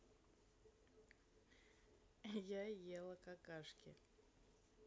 я ела какашки